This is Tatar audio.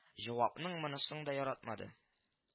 Җавапның монысын да яратмады